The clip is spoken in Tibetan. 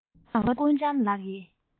ཇོ དང སྐུ ལྕམ ལགས ཡེ